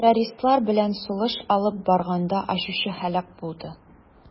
Террористлар белән сугыш алып барганда очучы һәлак булды.